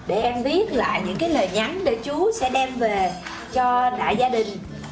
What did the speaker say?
để em viết lại những cái lời nhắn để chú sẽ đem về cho đại gia đình